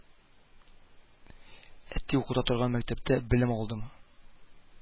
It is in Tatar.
Әти укыта торган мәктәптә белем алдым